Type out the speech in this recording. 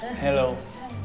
hê lô